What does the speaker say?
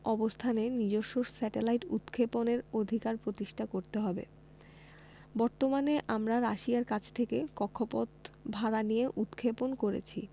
অবস্থানে নিজস্ব স্যাটেলাইট উৎক্ষেপণের অধিকার প্রতিষ্ঠা করতে হবে বর্তমানে আমরা রাশিয়ার কাছ থেকে কক্ষপথ ভাড়া নিয়ে উৎক্ষেপণ করেছি